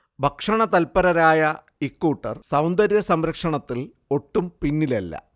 ഭക്ഷണ തല്പരരായ ഇക്കൂട്ടർ സൗന്ദര്യ സംരക്ഷണത്തിൽ ഒട്ടും പിന്നിലല്ല